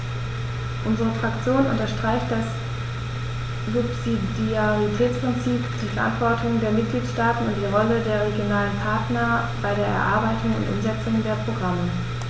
Unsere Fraktion unterstreicht das Subsidiaritätsprinzip, die Verantwortung der Mitgliedstaaten und die Rolle der regionalen Partner bei der Erarbeitung und Umsetzung der Programme.